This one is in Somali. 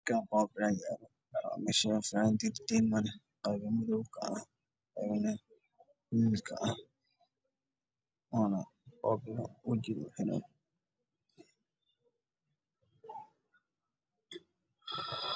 Heshaan waxaa iga muuqdo boombole gashan funaanad